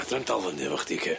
Allai'm dal fyny efo chdi Kay.